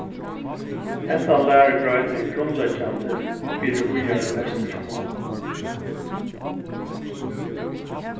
hendan lærugrein er grundleggjandi fyri víðari lestur hjá mongum